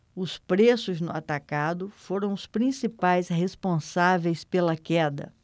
os preços no atacado foram os principais responsáveis pela queda